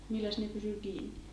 milläs ne pysyi kiinni